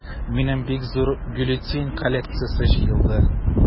Минем бик зур бюллетень коллекциясе җыелды.